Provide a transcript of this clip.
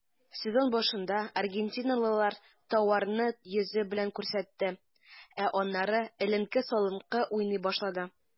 Сезон башында аргентинлылар тауарны йөзе белән күрсәтте, ә аннары эленке-салынкы уйный башлады.